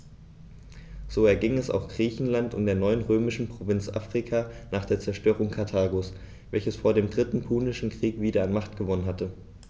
So erging es auch Griechenland und der neuen römischen Provinz Afrika nach der Zerstörung Karthagos, welches vor dem Dritten Punischen Krieg wieder an Macht gewonnen hatte.